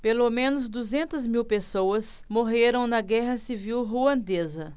pelo menos duzentas mil pessoas morreram na guerra civil ruandesa